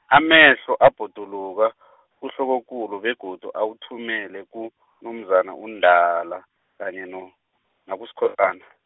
amehlo abhoduluka , kuhlokokulu begodu awathumele kuNomzana uNdala, kanye no, nakuSkhosana.